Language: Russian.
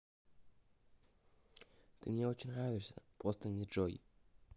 ты мне очень нравишься просто не джой